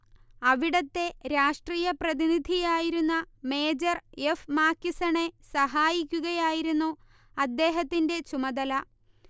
അവിടത്തെ രാഷ്ട്രീയപ്രതിനിധിയായിരുന്ന major F മാക്കിസണെ സഹായിക്കുകയായിരുന്നു അദ്ദേഹത്തിന്റെ ചുമതല